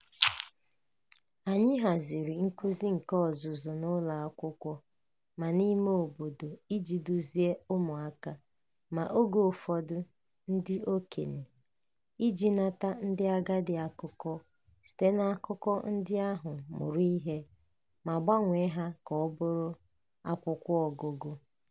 Anyị haziri nkuzi nke ọzụzụ n'ụlọakwụkwọ ma n'ime obodo iji duzie ụmụaka, ma oge ụfọdụ ndị okenye, iji nata ndị agadi akụkọ, site n'akụkọ ndị ahụ murụ ihe, ma gbanwee ha ka ọ bụrụ akwụkwọ ogụgụ.